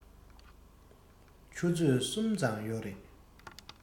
ཆུ ཚོད གསུམ ཙམ ཡོད རེད